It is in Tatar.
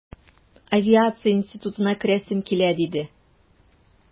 Авиация институтына керәсем килә, диде...